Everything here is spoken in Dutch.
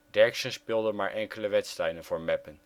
Derksen speelde maar enkele wedstrijden voor Meppen